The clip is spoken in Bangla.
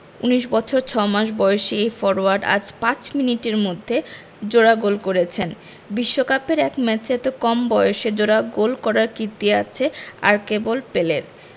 ১৯ বছর ৬ মাস বয়সী এই ফরোয়ার্ড আজ ৫ মিনিটের মধ্যে জোড়া গোল করেছেন বিশ্বকাপের এক ম্যাচে এত কম বয়সে জোড়া গোল করার কীর্তি আর আছে কেবল পেলের